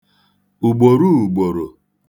ùgbòro ùgbòrò